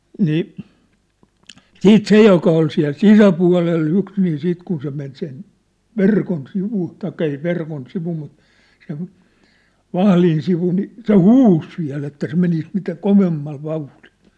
niin sitten se joka oli siellä sisäpuolella yksi niin sitten kun se meni sen verkon sivu tai ei se verkon sivu mutta sen vahdin sivu niin se huusi vielä että se menisi mitä kovemmalla vauhdilla